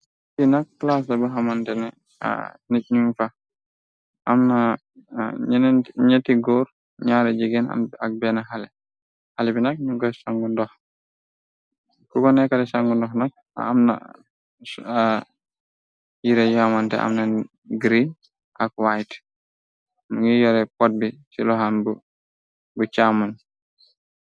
Fi nak claasla bu xamantene, nit ñu fax, ñetti góor ñaare jégéen ak benn xale, xale bi nak ñu go sangu ndox, ku ko nekkate sangu ndox nak, amna sa yire yamante amna gree, ak white, ngiy yore pott bi ci lohan bu càmmuñ.